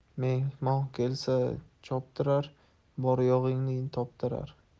mehmon kelsa choptirar bor yo'g'ingni toptirar